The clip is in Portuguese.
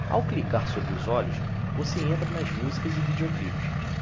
ao clicar sobre os olhos você entra nas músicas e videoclipes